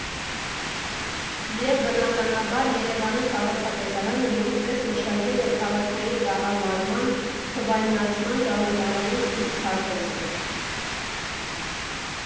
Եվ, բնականաբար, Երևանի քաղաքապետարանը նույնպես մշակել է քաղաքային կառավարման թվայնացման ճանապարհային իր քարտեզը։